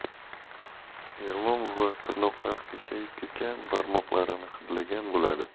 ermon buva tirnoqlari qiyshayib ketgan barmoqlarini hidlagan bo'ladi